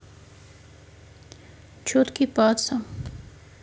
четкий паца